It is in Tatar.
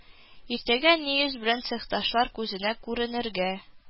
Иртәгә ни йөз белән цехташлар күзенә күренергә